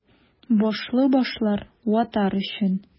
Башлы башлар — ватар өчен!